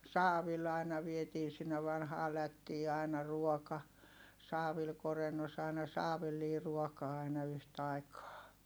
saavilla aina vietiin sinne vanhaan lättiin aina ruoka saavilla korennossa aina saavillinen ruokaa aina yhtaikaa